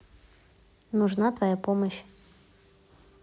нужна твоя помощь